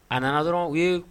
A nana dɔrɔn u ye